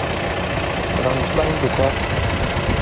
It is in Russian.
рамштайн ду хаст